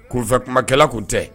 Kunfɛ kumakɛla tun tɛ